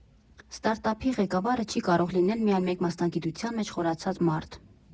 Ստարտափի ղեկավարը չի կարող լինել միայն մեկ մասնագիտության մեջ խորացած մարդ։